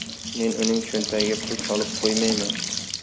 men uning cho'ntagiga pul solib qo'ymayman